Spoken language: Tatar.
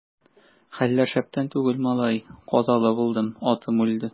Хәлләр шәптән түгел, малай, казалы булдым, атым үлде.